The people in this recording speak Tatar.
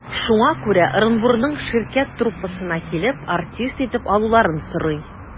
Шуңа күрә Ырынбурның «Ширкәт» труппасына килеп, артист итеп алуларын сорый.